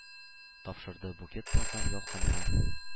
Тапшырды букет нурдан, ялкыннан.